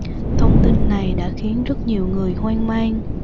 thông tin này đã khiến rất nhiều người hoang mang